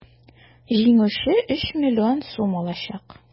Җиңүче 3 млн сум алачак.